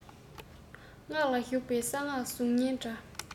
སྔགས ལ ཞུགས པ གསང སྔགས གཟུགས བརྙན འདྲ